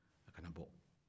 a kana bɔ